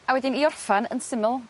A wedyn 'i orffan yn syml